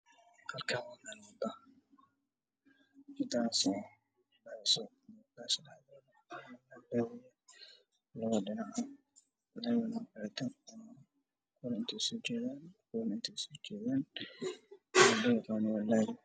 Meshan waa wado laami ah waxaa marayo baa buur fara badan waxaa wadada agteeda ku yaala geedo. Dhaadheer